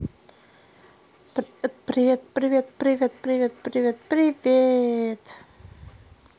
привет привет привет привет привет привет